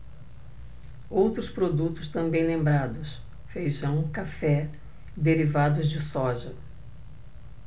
outros produtos também lembrados feijão café e derivados de soja